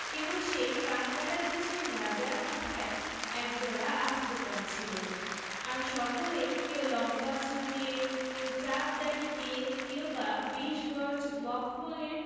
কেবল সেই কানকাটা দেশের রাজার মাথায় একজোড়া আস্ত কান ছিল আর সকলেই কেউ লম্বা চুল দিয়ে কেউ চাপ দাড়ি দিয়ে কেউ বা বিশ গজ মকমলের